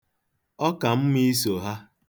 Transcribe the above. Ọ ka mma iso ya.